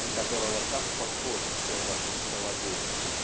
на которого так похож Федор Сологуб.